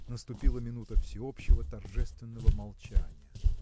Наступила минута всеобщего, торжественного молчания.